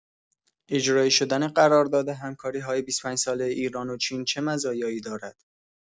اجرایی شدن قرارداد همکاری‌های ۲۵ ساله ایران و چین چه مزایایی دارد؟